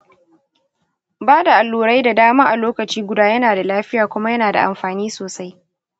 ba da allurai da dama a lokaci guda yana da lafiya kuma yana da amfani sosai.